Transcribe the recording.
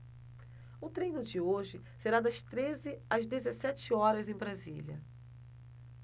o treino de hoje será das treze às dezessete horas em brasília